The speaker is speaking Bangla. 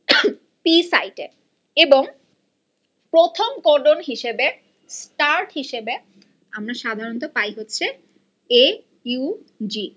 পি সাইটে এবং প্রথম কোডন হিসেবে স্টার্ট হিসেবে আমরা সাধারণত পাই হচ্ছে এ ইউ জি